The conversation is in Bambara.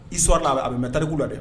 I sɔ' a a bɛ mɛ tariku la dɛ